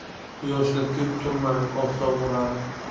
quyoshda ko'p turmang oftob uradi